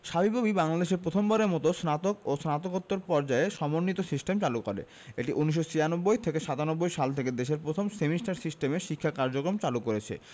সাবিপ্রবি বাংলাদেশে প্রথম বারের মতো স্নাতক এবং স্নাতকোত্তর পর্যায়ে সমন্বিত সিস্টেম চালু করে এটি ১৯৯৬ থেকে ৯৭ সাল থেকে দেশের প্রথম সেমিস্টার সিস্টেমে শিক্ষা কার্যক্রম চালু করেছে